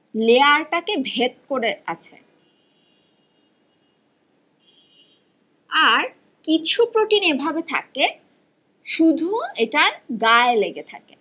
লেয়ারটাকে ভেদ করে আছে আর কিছু প্রোটিন এভাবে থাকে শুধু এটার গায়ে লেগে থাকে